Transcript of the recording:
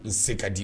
N tɛ ka di